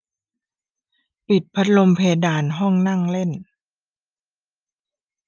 ปิดพัดลมเพดานห้องนั่งเล่น